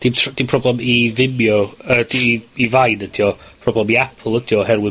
dim tr- dim problem i Vimeo yy i i Vine ydi o, problem i Apple ydi o oherwydd